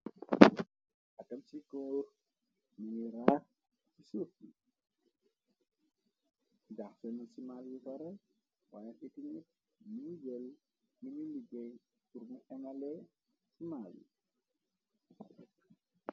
Atam ci coor ningi raa ci suuf bi jaxfena si mal yu bara waaye fitinet niñu jël niu liggéey purmu inalee ci maal yi.